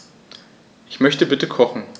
Ich möchte bitte kochen.